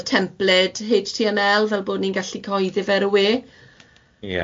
y templed haets ti em el fel bod ni'n gallu coeddi fe ar y wê.